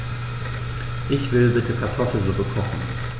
Ich will bitte Kartoffelsuppe kochen.